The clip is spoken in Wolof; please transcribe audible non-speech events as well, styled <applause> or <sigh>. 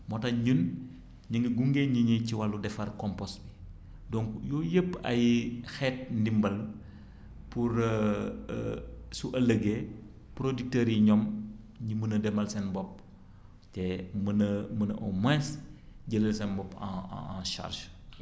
moo tax ñun ñu ngi gunge nit ñi ci wàllu defar compost donc yooyu yépp ay xeet ndimbal pour <hesitation> su ëllëgee producteurs yi ñoom ñu mën a demal seen bopp te mën a mën a au moins jëlal seen bopp en en en charge